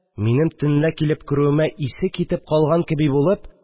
Минем төнлә килеп керүемә исе китеп калган кеби булып